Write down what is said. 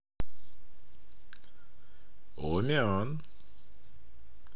умен